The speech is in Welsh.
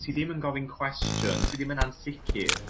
ti ddim yn gofyn cwestiwn ti ddim yn ansicir.